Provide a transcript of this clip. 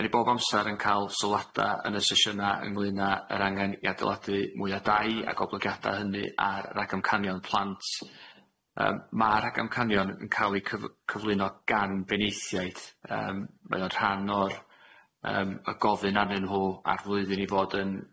'Dan ni bob amsar yn ca'l sylwada yn y sesiyna' ynglŷn â yr angen i adeiladu mwy a dai a goblygiada hynny ar ragamcanion plant yym ma' rhagamcanion yn ca'l eu cyf- cyflwyno gan benaethiaid yym mae o'n rhan o'r yym y gofyn arnyn nhw ar flwyddyn i fod yn